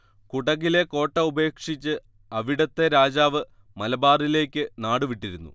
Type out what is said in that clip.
കുടകിലെ കോട്ട ഉപേക്ഷിച്ച് അവിടത്തെ രാജാവ് മലബാറിലേക്ക് നാടുവിട്ടിരുന്നു